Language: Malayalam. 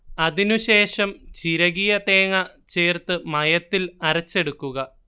അതിനുശേഷം ചിരകിയ തേങ്ങ ചേർത്ത് മയത്തിൽ അരച്ചെടുക്കുക